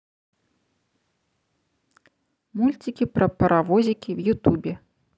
мультики про паровозики в ютубе